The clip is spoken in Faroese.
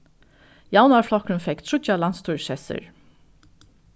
javnaðarflokkurin fekk tríggjar landsstýrissessir